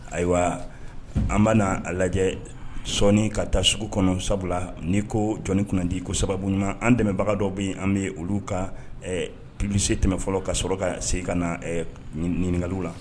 Ayiwa an bɛ a lajɛ sɔɔni ka taa sugu kɔnɔ sabula nii ko jɔnni kundi ko sababu ɲumanɲuman an dɛmɛbagadɔ bɛ an bɛ olu ka plisi tɛmɛ fɔlɔ ka sɔrɔ ka se ka na ɲininka la